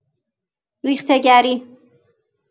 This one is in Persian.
ریخته‌گری